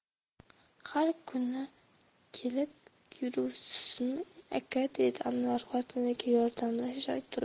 har kuni kelib yuribsizmi aka dedi anvar xotiniga yordamlasha turib